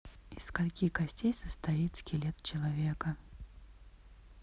из скольки костей состоит скелет человека